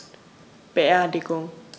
Beerdigung